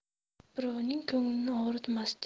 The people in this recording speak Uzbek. birovning ko'nglini og'ritmasdi